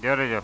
jërëjëf